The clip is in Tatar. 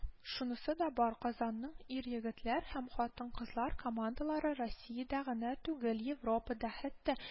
Шунысы да бар, Казанның ир-егетләр һәм хатын-кызлар командалары Россиядә генә түгел, Европада, хәттә